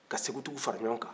ka sekotigiw fara ɲɔgɔn kan